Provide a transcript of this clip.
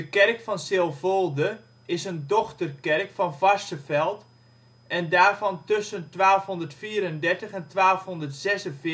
kerk van Silvolde is een dochterkerk van Varsseveld en daarvan tussen 1234 en 1246